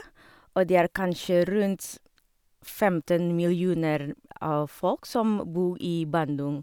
Og det er kanskje rundt femten millioner folk som bo i Bandung.